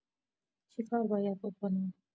چیکار باید بکنم؟